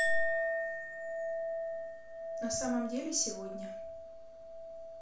на самом деле сегодня